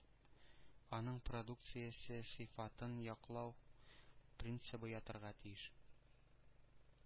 Аның продукциясе сыйфатын яклау принцибы ятарга тиеш.